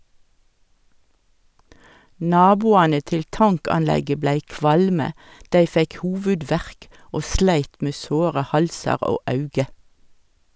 Naboane til tankanlegget blei kvalme, dei fekk hovudverk og sleit med såre halsar og auge.